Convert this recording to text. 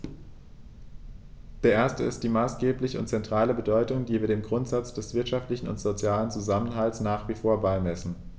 Der erste ist die maßgebliche und zentrale Bedeutung, die wir dem Grundsatz des wirtschaftlichen und sozialen Zusammenhalts nach wie vor beimessen.